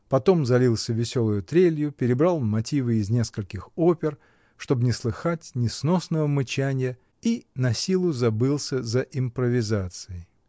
Потом залился веселою трелью, перебрал мотивы из нескольких опер, чтоб не слыхать несносного мычанья, и насилу забылся за импровизацией.